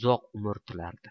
uzoq umr tilardi